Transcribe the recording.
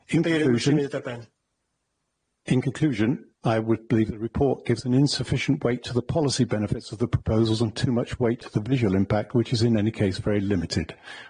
In conclusion, I would believe that the report gives an insufficient weight to the policy benefits of the proposals and too much weight to the visual impact, which is in any case very limited.